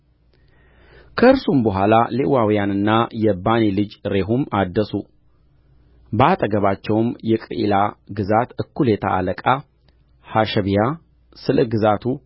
ከእርሱም በኋላ ሌዋውያንና የባኒ ልጅ ሬሁም አደሱ በአጠገባቸውም የቅዒላ ግዛት እኵሌታ አለቃ ሐሸብያ ስለ ግዛቱ